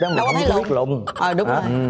đấu có thấy lùn à đúng rồi